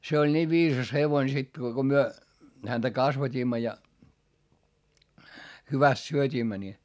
se oli niin viisas hevonen sekin kun kun me häntä kasvatimme ja hyvästi syötimme niin